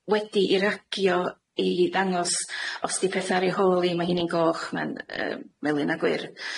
wedi eu ragio i ddangos os 'di petha ar ei hôl hi, ma' hini'n goch, ma'n yy melyn a gwyrdd